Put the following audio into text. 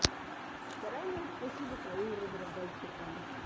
заранее спасибо твоим разработчикам